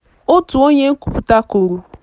Otu onye nkwupụta kwuru: